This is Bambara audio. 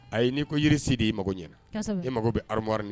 Ayi n'i ko jirisi de i mago ɲɛna i mako bɛ hari